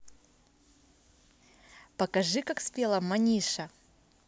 покажи как спела маниша